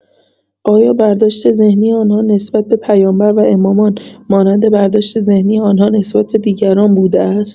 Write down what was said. آیا برداشت ذهنی آن‌ها نسبت به پیامبر و امامان، مانند برداشت ذهنی آن‌ها نسبت به دیگران بوده است؟